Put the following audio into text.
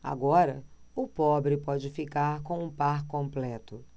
agora o pobre pode ficar com o par completo